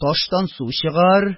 Таштан су чыгар,